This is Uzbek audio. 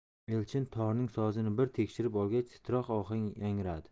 elchin torning sozini bir tekshirib olgach titroq ohang yangradi